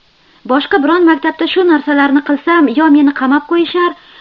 boshqa biron maktabda shu narsalarni qilsam yo meni qamab qo'yishar